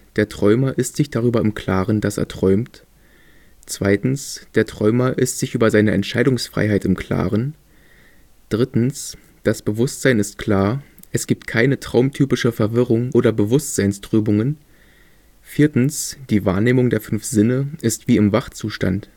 Der Träumer ist sich darüber im Klaren, dass er träumt. Der Träumer ist sich über seine Entscheidungsfreiheit im Klaren. Das Bewusstsein ist klar, es gibt keine traumtypische Verwirrung oder Bewusstseinstrübungen. Die Wahrnehmung der fünf Sinne ist wie im Wachzustand